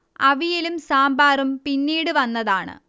അവിയലും സാമ്പാറും പിന്നീട് വന്നതാണ്